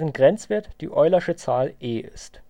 Grenzwert die eulersche Zahl e {\ displaystyle e} ist